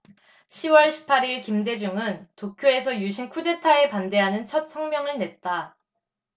시 월 십 팔 일 김대중은 도쿄에서 유신 쿠데타에 반대하는 첫 성명을 냈다